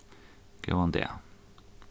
góðan dag